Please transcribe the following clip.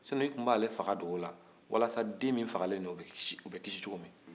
n'o tɛ i tun b'ale faga dogo la walasa den min fagalen filɛ o bɛ kisi cogo min na